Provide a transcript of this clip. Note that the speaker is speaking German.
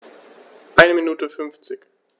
Eine Minute 50